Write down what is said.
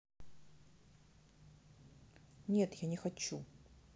нет я не хочу